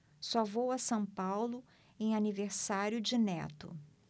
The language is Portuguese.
só vou a são paulo em aniversário de neto